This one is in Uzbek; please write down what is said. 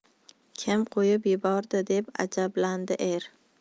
kim qo'yib yuboradi deb ajablanadi er